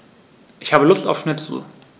Ich habe Lust auf Schnitzel.